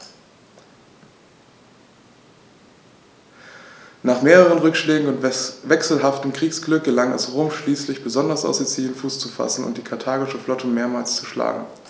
Nach mehreren Rückschlägen und wechselhaftem Kriegsglück gelang es Rom schließlich, besonders auf Sizilien Fuß zu fassen und die karthagische Flotte mehrmals zu schlagen.